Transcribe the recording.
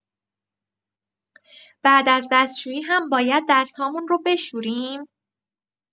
بعد از دستشویی هم باید دست‌هامون رو بشوریم؟